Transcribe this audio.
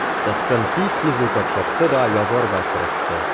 Тоткын тиз-тиз укып чыкты да язарга кереште.